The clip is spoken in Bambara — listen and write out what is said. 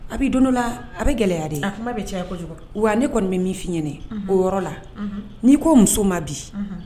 A bɛ donla a bɛ gɛlɛya de bɛ wa ne kɔni bɛ min fɔ ɲɛna o yɔrɔ la n'i ko muso ma bi